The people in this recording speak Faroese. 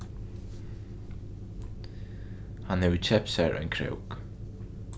hann hevur keypt sær ein krók